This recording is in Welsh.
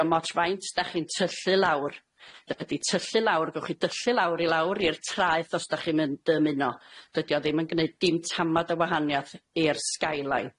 Dio'm ots faint dach chi'n tyllu lawr, dydi tyllu lawr, gewch chi dyllu lawr i lawr i'r traeth os dach chi'm yn dymuno, dydi o ddim yn gneud dim tamad o wahaniath i'r skyline.